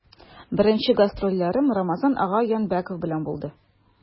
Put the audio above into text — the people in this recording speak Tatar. Беренче гастрольләрем Рамазан ага Янбәков белән булды.